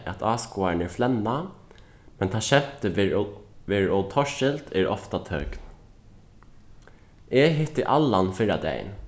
at áskoðararnir flenna men tá skemtið verður ov verður ov torskilt er ofta tøgn eg hitti allan fyrradagin